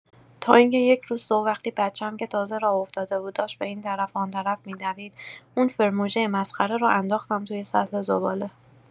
تا اینکه یه روز صبح، وقتی بچه‌ام که تازه راه افتاده بود داشت به این‌طرف و آن‌طرف می‌دوید، اون فرمژه مسخره رو انداختم توی سطل زباله